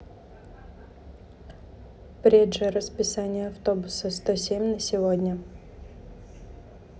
предже расписание автобуса сто семь на сегодня